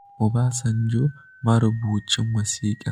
Obasanjo, marubucin wasiƙa?